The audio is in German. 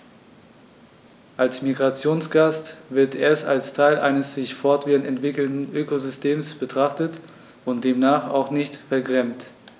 Als Migrationsgast wird er als Teil eines sich fortwährend entwickelnden Ökosystems betrachtet und demnach auch nicht vergrämt.